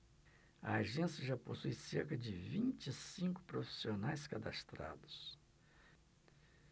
a agência já possui cerca de vinte e cinco profissionais cadastrados